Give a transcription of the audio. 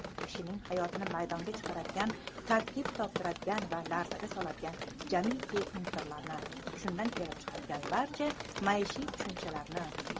kishining hayotini tarkib toptiradigan va larzaga soladigan jamiyki tushunchalarni